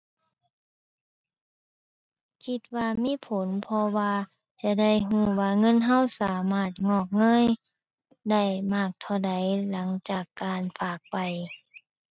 คิดว่ามีผล เพราะว่าจะได้รู้ว่าเงินรู้สามารถงอกเงยได้มากเท่าใด หลังจากการฝากไป